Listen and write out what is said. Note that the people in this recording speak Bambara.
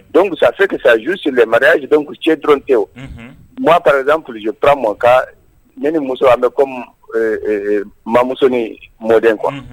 Don fisasafe kisajuu sirimaruya cɛ dɔrɔnte mɔgɔ pa psioura ma ka ne ni muso an bɛ ko mamusonin mɔden kuwa